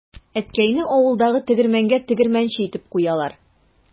Әткәйне авылдагы тегермәнгә тегермәнче итеп куялар.